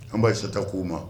An ba ye sata k'u ma